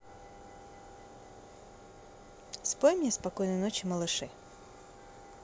спой мне спокойной ночи малыши